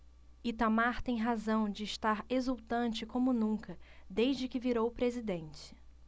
itamar tem razão de estar exultante como nunca desde que virou presidente